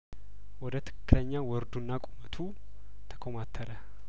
ወደ ትክክለኛው ወርዱና ቁመቱ ተኮ ማተረ